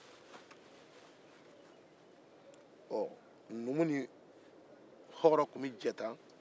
numu ni hɔrɔn tun bɛ jɛ tan